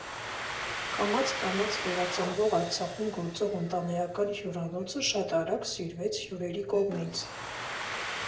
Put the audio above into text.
Կամաց֊կամաց վերածնվող Արցախում գործող ընտանեկան հյուրանոցը շատ արագ սիրվեց հյուրերի կողմից։